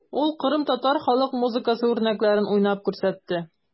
Ул кырымтатар халык музыкасы үрнәкләрен уйнап күрсәтте.